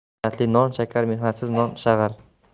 mehnatli non shakar mehnatsiz non zahar